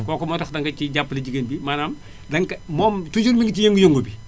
kooku mooy tax danga ciy jàppale jigéen bi maanaam da nga ko moom toujours mi ngi ci yëngu-yëngu bi